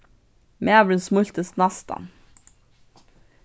maðurin smíltist næstan